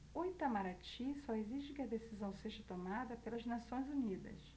o itamaraty só exige que a decisão seja tomada pelas nações unidas